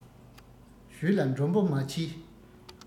ཞོལ ལ མགྲོན པོ མ མཆིས